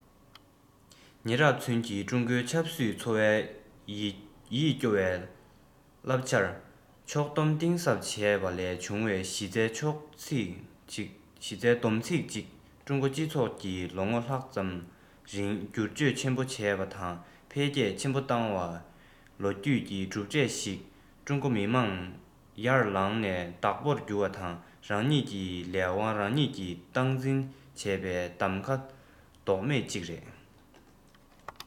ལོ ངོ ཡི ལག ལེན གྱི ཐོག ནས མི དམངས འཐུས མི ཚོགས ཆེན གྱི ལམ ལུགས ནི ཀྲུང གོའི རྒྱལ ཁབ ཀྱི གནས ཚུལ དང དོན དངོས དང མཐུན པ དང